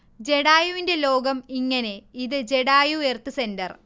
ജടായുവിന്റെ ലോകം ഇങ്ങനെ. ഇത് ജടായു എർത്ത് സെന്റർ